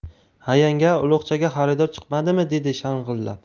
ha yanga uloqchaga xaridor chiqmadimi dedi shang'illab